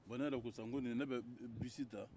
bon ne yɛrɛ ko sisan ko ne bɛ mobili ta